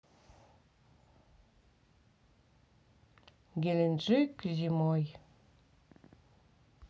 геленджик зимой